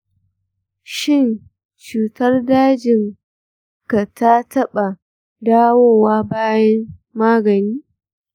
shin cutar dajin ka ta taɓa dawowa bayan magani?